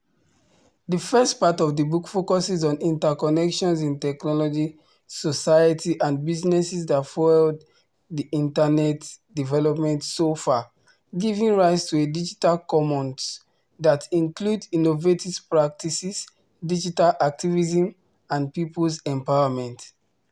The first part of the book focuses on interconnections in technology, society and business that fueled the Internet's development so far, giving rise to a “digital commons” that includes innovative practices, digital activism, and people's empowerment.